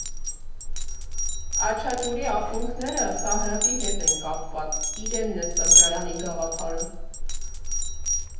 «Աչաջուրի» ակունքները Սարհատի հետ են կապված՝ իրենն է սրճարանի գաղափարը։